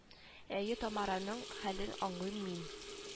Әйе тамараның хәлен аңлыйм мин